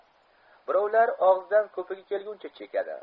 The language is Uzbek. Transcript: birovlar og'zidan ko'pigi kelguncha chekadi